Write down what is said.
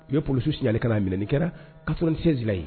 U bɛ police signaler ka n'a minɛ, nin kɛra 96 la yen.